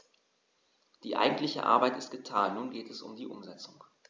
Die eigentliche Arbeit ist getan, nun geht es um die Umsetzung.